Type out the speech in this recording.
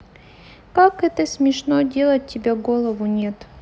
как это смешно делать тебя голову нет